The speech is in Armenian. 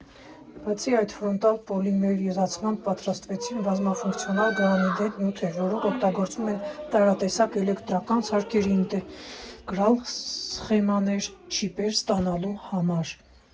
Բացի այդ, ֆրոնտալ պոլիմերիզացմամբ պատրաստվեցին բազմաֆունկցիոնալ գրադիենտ նյութեր, որոնք օգտագործվում են տարատեսակ էլեկտրական սարքերի ինտեգրալ սխեմաներ՝ չիպեր ստանալու համար։